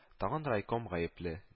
Тагын райком гаепле